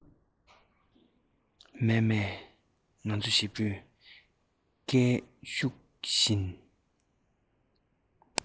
མཱ མཱ ང ཚོ བཞི པོ སྐད རྒྱག བཞིན